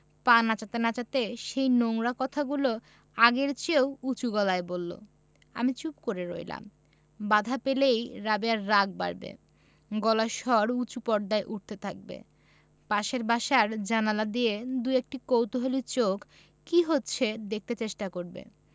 পা নাচাতে নাচাতে সেই নোংরা কথাগুলি আগের চেয়েও উচু গলায় বললো আমি চুপ করে রইলাম বাধা পেলেই রাবেয়ার রাগ বাড়বে গলার স্বর উচু পর্দায় উঠতে থাকবে পাশের বাসার জানালা দিয়ে দুএকটি কৌতুহলী চোখ কি হচ্ছে দেখতে চেষ্টা করবে